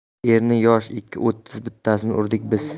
erning yoshi ikki o'ttiz bittasini urdik biz